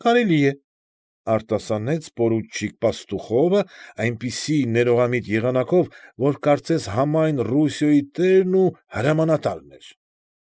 Կարելի է,֊ արտասանեց պորուչիկ Պաստուխովը, այնպես ներողամիտ եղանակով, որ կարծես համայն Ռուսիայի տերն ու հրամանատարն էր։